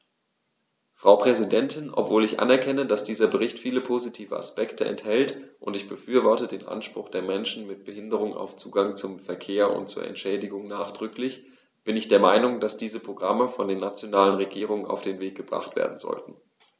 Frau Präsidentin, obwohl ich anerkenne, dass dieser Bericht viele positive Aspekte enthält - und ich befürworte den Anspruch der Menschen mit Behinderung auf Zugang zum Verkehr und zu Entschädigung nachdrücklich -, bin ich der Meinung, dass diese Programme von den nationalen Regierungen auf den Weg gebracht werden sollten.